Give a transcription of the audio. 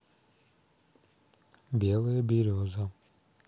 белая береза